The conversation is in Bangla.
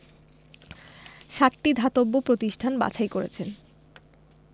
সাতটি ধাতব্য প্রতিষ্ঠান বাছাই করেছেন